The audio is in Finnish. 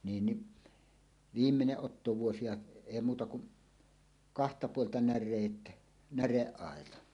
niin niin viimeinen ottovuosi ja ei muuta kuin kahta puolta näreet näreaitaan